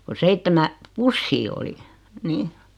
kun seitsemän pussia oli niin